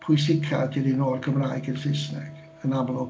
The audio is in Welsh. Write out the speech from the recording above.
Pwysica 'di'r un o Gymraeg i'r Saesneg yn amlwg.